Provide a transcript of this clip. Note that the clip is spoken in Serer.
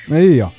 iyo